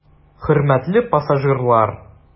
Хөрмәтле пассажирлар!